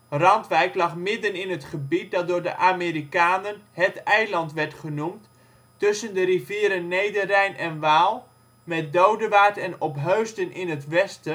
Randwijk lag midden in het gebied dat door de Amerikanen ' het eiland ' werd genoemd tussen de rivieren Nederrijn en Waal met Dodewaard en Opheusden in het westen